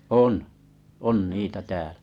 on on niitä täällä